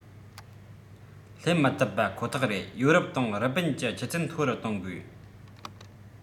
སླེབས མི ཐུབ པ ཁོ ཐག རེད ཡོ རོབ དང རི པིན གྱི ཆུ ཚད མཐོ རུ གཏོང དགོས